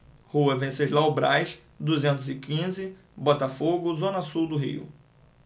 rua venceslau braz duzentos e quinze botafogo zona sul do rio